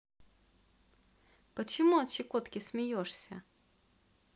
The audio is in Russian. почему от щекотки смеешься